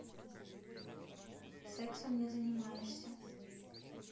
сексом не занимаешься